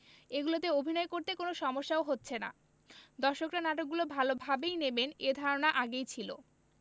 এগুলোতে অভিনয় করতে কোনো সমস্যাও হচ্ছে না দর্শকরা নাটকগুলো ভালোভাবেই নেবেন এ ধারণা আগেই ছিল